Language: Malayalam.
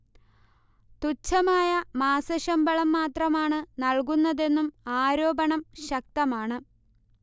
തുച്ഛമായ മാസശമ്പളം മാത്രമാണ് നൽകുന്നതെന്നും ആരോപണം ശക്തമാണ്